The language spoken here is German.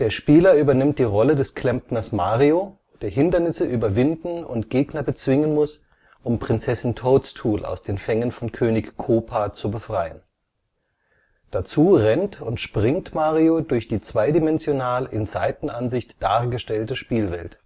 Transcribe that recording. Spieler übernimmt die Rolle des Klempners Mario, der Hindernisse überwinden und Gegner bezwingen muss, um Prinzessin Toadstool aus den Fängen von König Koopa zu befreien. Dazu rennt und springt Mario durch die zweidimensional in Seitenansicht dargestellte Spielwelt